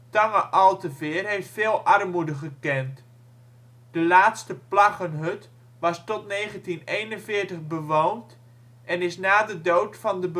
Tange-Alteveer heeft veel armoede gekend. De laatste plaggenhut was tot 1941 bewoond en is na de dood van de